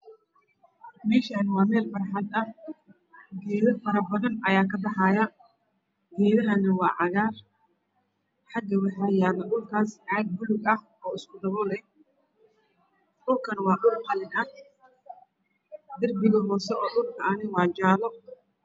Meshani waa mel bacxad ah gedo fara badan ayaa ka baxaaya gedaha waa cagar xagan waxaa yala cag bulug ah oo isku dabool ah dhulka waa dhul qalin ah derbigana waa jalo